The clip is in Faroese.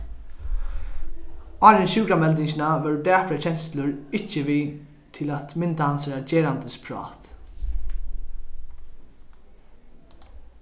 áðrenn sjúkrameldingina vóru daprar kenslur ikki við til at mynda hansara gerandisprát